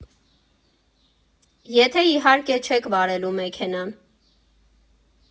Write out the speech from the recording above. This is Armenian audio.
Եթե իհարկե չեք վարելու մեքենան։